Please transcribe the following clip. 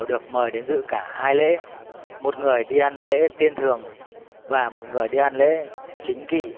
được mời đến dự cả hai lễ một người đi ăn lễ tiên thường và một người đi ăn lễ chính kỵ